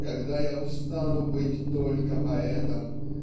когда я устану быть только поэтом